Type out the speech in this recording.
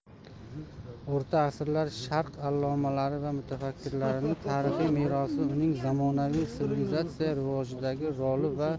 o'rta asrlar sharq allomalari va mutafakkirlarining tarixiy merosi uning zamonaviy sivilizatsiya rivojidagi roli va